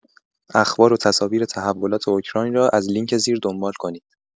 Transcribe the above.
اخبار و تصاویر تحولات اوکراین را از لینک زیر دنبال کنید.